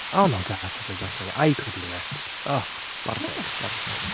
Oh, no. Definitely, definitely. I couldn’t do it, oh chwarae teg, chwarae teg.